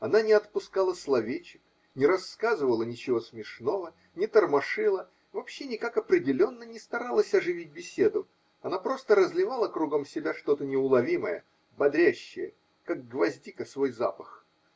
она не отпускала словечек, не рассказывала ничего смешного, не тормошила, вообще никак определенно не старалась оживить беседу -- она просто разливала кругом себя что-то неуловимое, бодрящее, как гвоздика свой запах.